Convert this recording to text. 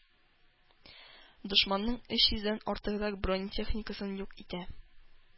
Дошманның өч йөздән артыграк бронетехникасын юк итә.